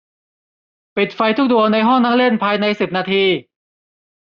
ปิดไฟทุกดวงในห้องนั่งเล่นภายในสิบนาที